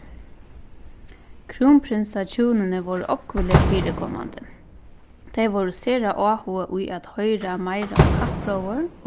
krúnprinsahjúnini vóru ógvuliga fyrikomandi tey vóru sera áhugað í at hoyra meira um kappróður